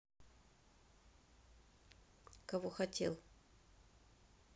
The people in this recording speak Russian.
кого хотел